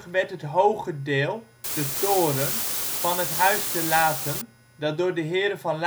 werd het hoge deel (de toren) van het Huis te Lathum, dat door de heren van